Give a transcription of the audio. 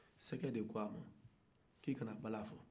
sɛgɛ de ko a ma k'i kana bala fɔ